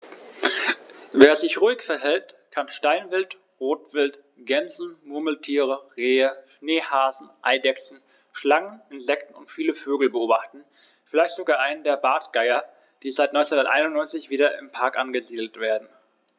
Wer sich ruhig verhält, kann Steinwild, Rotwild, Gämsen, Murmeltiere, Rehe, Schneehasen, Eidechsen, Schlangen, Insekten und viele Vögel beobachten, vielleicht sogar einen der Bartgeier, die seit 1991 wieder im Park angesiedelt werden.